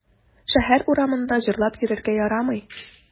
Шәһәр урамында җырлап йөрергә ярамый.